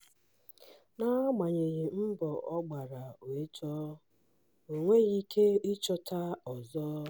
Na-agabgheghị mbọ ọ gbara wee chọọ, o nweghị ike ịchọta ọzọ.